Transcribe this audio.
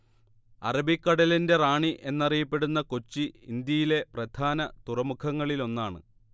അറബിക്കടലിന്റെ റാണി എന്നറിയപ്പെടുന്ന കൊച്ചി ഇന്ത്യയിലെ പ്രധാന തുറമുഖങ്ങളിലൊന്നാണ്